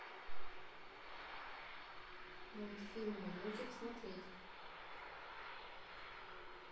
мультфильмы лунтик смотреть